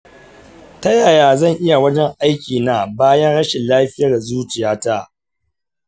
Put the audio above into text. ta yaya zan yiwa wajen aikina bayanin rashin lafiyar zuciya ta?